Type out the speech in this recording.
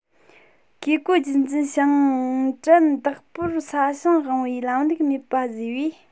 བཀས བཀོད རྒྱུད འཛིན ཞིང བྲན བདག པོར ས ཞིང དབང བའི ལམ ལུགས མེད པ བཟོས པས